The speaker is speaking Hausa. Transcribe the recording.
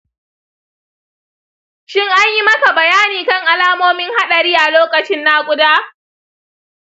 shin an yi maka bayani kan alamomin haɗari a lokacin nakuda?